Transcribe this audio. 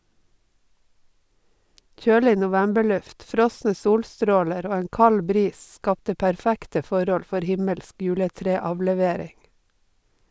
Kjølig novemberluft, frosne solstråler og en kald bris skapte perfekte forhold for himmelsk juletreavlevering.